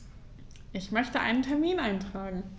Ich möchte einen Termin eintragen.